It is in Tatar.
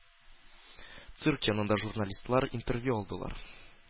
Цирк янында журналистлар интервью алдылар.